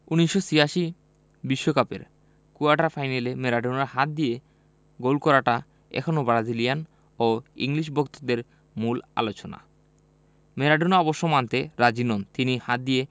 ১৯৮৬ বিশ্বকাপের কোয়ার্টার ফাইনালে ম্যারাডোনার হাত দিয়ে গোল করাটা এখনো ব্রাজিলিয়ান ও ইংলিশ ভক্তদের মূল আলোচনা ম্যারাডোনা অবশ্য মানতে রাজি নন তিনি হাত দিয়ে